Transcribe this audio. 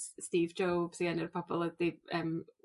S- Steve Jobes sy enw'r pobol ydy yym